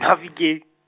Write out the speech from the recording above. -afike.